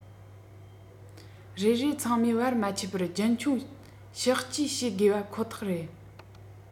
རེ རེ ཚང མས བར མ ཆད པར རྒྱུན འཁྱོངས གཤགས བཅོས བྱེད དགོས པ ཁོ ཐག རེད